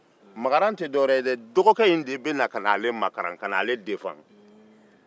makaran tɛ dɔwɛrɛ ye de dɔgɔkɛ in de bɛ na ale makaran